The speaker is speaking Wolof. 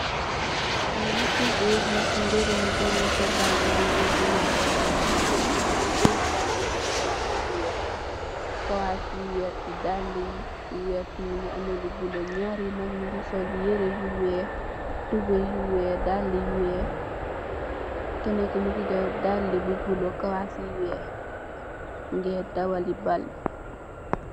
Nyate goor nugse meremu juganteh bal gaye nuge juganteh bal kuse dege muge dorr bal be muge sol muba bu werte kawass ye werte dalle ye werte muge ameh lu bulo nyari ye nak nuge sol yere yu weex tubaye yu weex dalle yu weex kenen ke muge dol dalla yu bulo kawass yu weex muge dawale bal be.